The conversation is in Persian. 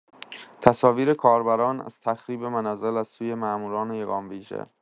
تصاویر کاربران از تخریب منازل از سوی ماموران یگان ویژه